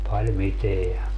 paljon mitään